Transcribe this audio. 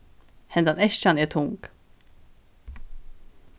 henda eskjan er tung